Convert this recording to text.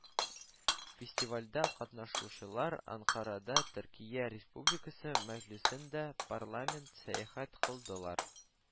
Фестивальдә катнашучылар Әнкарада Төркия Республикасы Мәҗлесенә дә (Парламент) сәяхәт кылдылар